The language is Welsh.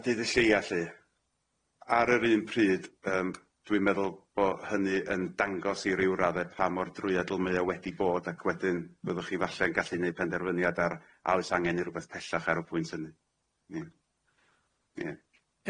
A dydd y lleia lly ar yr un pryd, yym dwi'n meddwl bo' hynny yn dangos i ryw radde pa mor drwyadl mae o wedi bod ac wedyn byddwch chi falle'n gallu neud penderfyniad ar a oes angen i rwbeth pellach ar y pwynt hynny. Ie. Ie. Iawn.